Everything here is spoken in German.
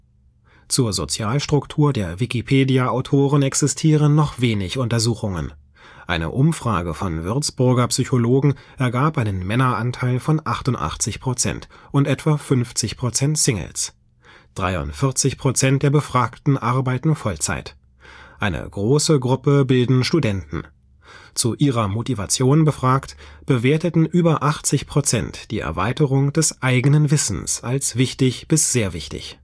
Zur Sozialstruktur der Wikipedia-Autoren existieren noch wenig Untersuchungen. Eine Umfrage von Würzburger Psychologen ergab einen Männeranteil von 88 Prozent und etwa 50 Prozent Singles. 43 Prozent der Befragten arbeiten Vollzeit. Eine große Gruppe bilden Studenten. Zu ihrer Motivation befragt, bewerteten über 80 Prozent die Erweiterung des eigenen Wissens als wichtig bis sehr wichtig